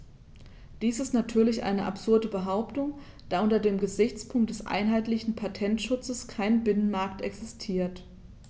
Dies ist natürlich eine absurde Behauptung, da unter dem Gesichtspunkt des einheitlichen Patentschutzes kein Binnenmarkt existiert.